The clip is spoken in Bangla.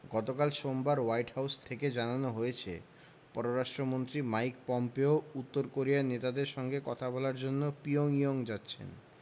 গতকাল সোমবার হোয়াইট হাউস থেকে জানানো হয়েছে পররাষ্ট্রমন্ত্রী মাইক পম্পেও উত্তর কোরিয়ার নেতাদের সঙ্গে কথা বলার জন্য পিয়ংইয়ং যাচ্ছেন